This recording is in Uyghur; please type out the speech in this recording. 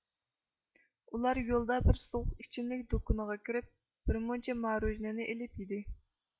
ئۇلار يولدا بىر سوغۇق ئىچىملىك دوكىنىغا كىرىپ بىرمۇنچە مارۇژنىنى ئېلىپ يىدى